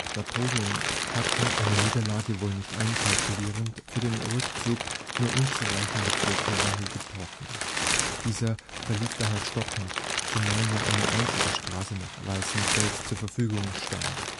Napoleon hatte, eine Niederlage wohl nicht einkalkulierend, für den Rückzug nur unzureichende Vorkehrungen getroffen. Dieser verlief daher stockend, zumal nur eine einzige Straße nach Weißenfels zur Verfügung stand